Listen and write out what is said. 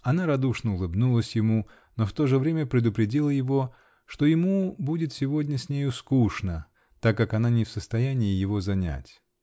Она радушно улыбнулась ему, но в то же время предупредила его, что ему будет сегодня с нею скучно, так как она не в состоянии его занять.